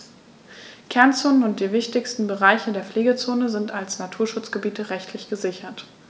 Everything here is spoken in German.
Kernzonen und die wichtigsten Bereiche der Pflegezone sind als Naturschutzgebiete rechtlich gesichert.